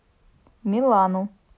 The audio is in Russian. милану